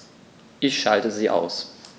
Ich schalte sie aus.